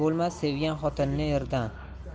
bo'lmas sevgan xotinni erdan